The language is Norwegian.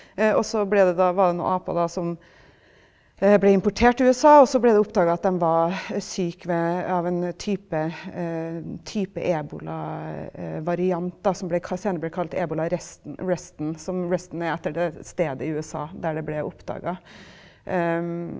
også ble det da var det noen aper da som blei importert til USA, også ble det oppdaga at dem var syk ved av en type type ebolavariant da som ble senere ble kalt Ebola-Rest Reston, som Reston er etter det stedet i USA der det ble oppdaga .